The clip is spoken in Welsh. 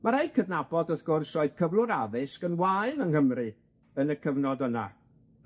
Ma' raid cydnabod wrth gwrs roedd cyflwr addysg yn wael yng Nghymru yn y cyfnod yna,